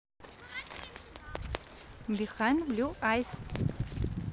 behind blue eyes